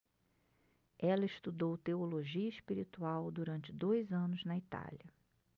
ela estudou teologia espiritual durante dois anos na itália